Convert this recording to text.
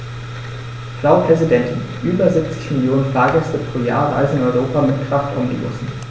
Frau Präsidentin, über 70 Millionen Fahrgäste pro Jahr reisen in Europa mit Kraftomnibussen.